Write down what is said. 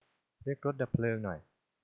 เรียกรถดับเพลิงหน่อย